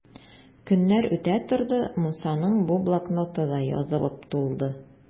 Көннәр үтә торды, Мусаның бу блокноты да язылып тулды.